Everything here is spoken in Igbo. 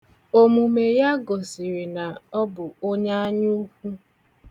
Omume ya gosiri na ọ bụ onye anyaukwu.